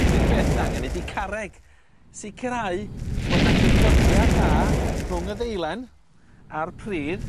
yr unig beth sydd angen ydi carreg sicirau bo' 'na gyffyrddiad da rhwng y ddeilen a'r pridd